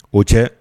O cɛ